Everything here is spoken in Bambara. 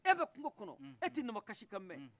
e bɛ kungo kɔnɔ e tɛ nama kasikan mɛn